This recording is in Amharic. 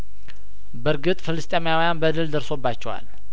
በርግጥ ፍልስጤማውያን በደል ደርሶባቸዋል